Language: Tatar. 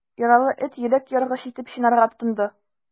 Яралы эт йөрәк яргыч итеп чинарга тотынды.